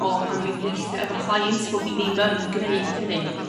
o pan dwi'n gweithio efo cleient bo fi ddim yn gneud hynny.